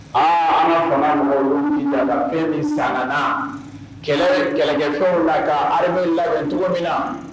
A ala fana mɔgɔ da fɛn min san na kɛlɛ jelikɛfɛnw la ka a labɛn cogo min na